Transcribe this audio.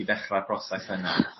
i ddechra ar broses yna.